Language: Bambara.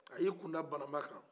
a y'i kunda banamba kan